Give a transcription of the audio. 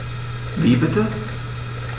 Wie bitte?